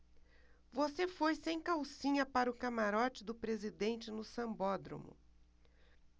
você foi sem calcinha para o camarote do presidente no sambódromo